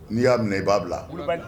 N'i y'a minɛ i b'a bila